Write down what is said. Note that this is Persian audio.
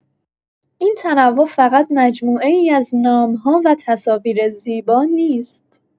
این تنوع فقط مجموعه‌ای از نام‌ها و تصاویر زیبا نیست.